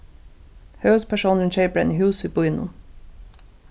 høvuðspersónurin keypir eini hús í býnum